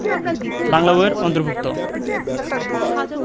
বাংলা বই এর অন্তর্ভুক্ত